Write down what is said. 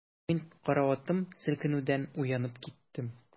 Мин караватым селкенүдән уянып киттем.